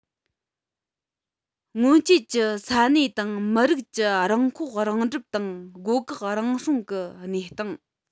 སྔོན ཆད ཀྱི ས གནས དང མི རིགས ཀྱི རང མཁོ རང སྒྲུབ དང སྒོ བཀག རང སྲུང གི གནས སྟངས